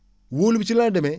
wóolu bi si lan la demee